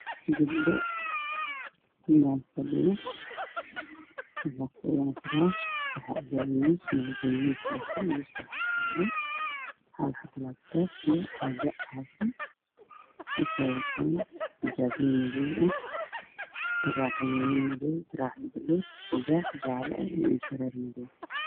Meeshaan waxaa ka muuqdo gabdho ku fadhiyo kuraas